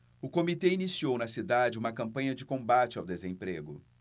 o comitê iniciou na cidade uma campanha de combate ao desemprego